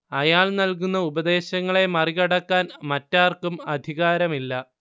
അയാൾ നൽകുന്ന ഉപദേശങ്ങളെ മറികടക്കാൻ മറ്റാർക്കും അധികാരമില്ല